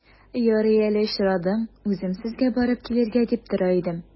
Ярый әле очрадың, үзем сезгә барып килергә дип тора идем.